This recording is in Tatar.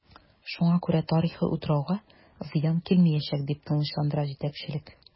Шуңа күрә тарихи утрауга зыян килмиячәк, дип тынычландыра җитәкчелек.